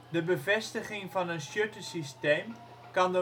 De bevestiging van een shuttersysteem kan